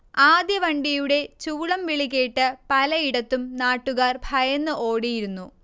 ആദ്യവണ്ടിയുടെ ചൂളം വിളികേട്ട് പലയിടത്തും നാട്ടുകാർ ഭയന്ന് ഓടിയിരുന്നു